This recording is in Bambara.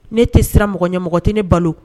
Ne tɛ siran mɔgɔ ɲɛ , mɔgɔ tɛ ne balo.